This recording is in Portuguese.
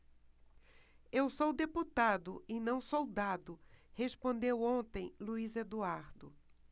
eu sou deputado e não soldado respondeu ontem luís eduardo